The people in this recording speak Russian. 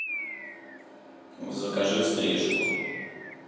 закажи стрижку